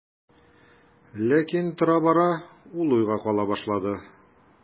Ләкин тора-бара ул уйга кала башлады.